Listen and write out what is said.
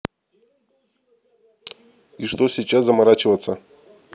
и что сейчас заморачиваться